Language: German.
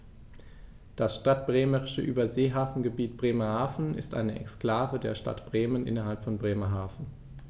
Das Stadtbremische Überseehafengebiet Bremerhaven ist eine Exklave der Stadt Bremen innerhalb von Bremerhaven.